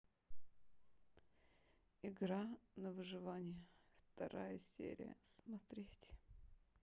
игра на выживание вторая серия смотреть